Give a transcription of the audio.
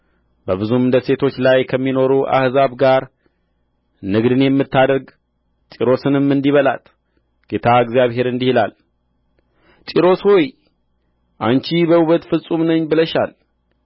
በብዙም ደሴቶች ላይ ከሚኖሩ አሕዛብ ጋር ንግድን የምታደርግ ጢሮስንም እንዲህ በላት ጌታ እግዚአብሔር እንዲህ ይላል ጢሮስ ሆይ አንቺ በውበት ፍጹም ነኝ ብለሻል